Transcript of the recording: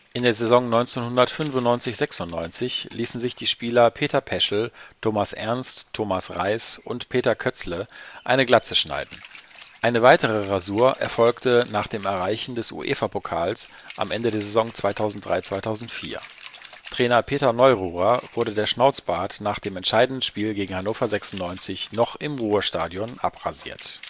In der Saison 1995 / 96 ließen sich die Spieler Peter Peschel, Thomas Ernst, Thomas Reis und Peter Közle eine Glatze schneiden. Eine weitere Rasur erfolgte nach dem Erreichen des UEFA-Pokals am Ende der Saison 2003/2004. Trainer Peter Neururer wurde der Schnauzbart nach dem entscheidenden Spiel gegen Hannover 96 noch im Ruhrstadion abrasiert